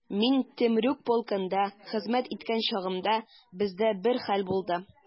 Мин Темрюк полкында хезмәт иткән чагымда, бездә бер хәл булды.